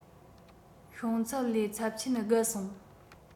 ཤོང ཚད ལས ཚབས ཆེན བརྒལ སོང